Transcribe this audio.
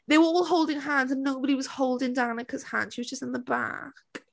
They were all holding hands and nobody was holding Danica's hand. She was just in the back.